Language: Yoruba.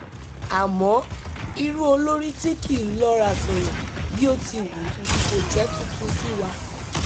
Àmọ́ irú olórí tí kì í lọ́ra sọ̀rọ̀ bí ó ti wù ú kò jẹ́ tuntun sí wa.